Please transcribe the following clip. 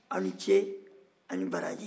aw ni ce aw ni baraji